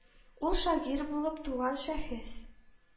Ул шагыйрь булып туган шәхес